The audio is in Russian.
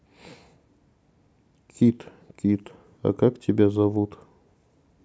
кит кит а как тебя зовут